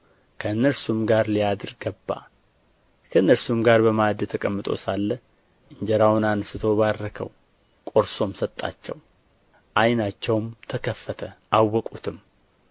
ከእነርሱም ጋር በማዕድ ተቀምጦ ሳለ እንጀራውን አንሥቶ ባረከው ቈርሶም ሰጣቸው ዓይናቸውም ተከፈተ አወቁትም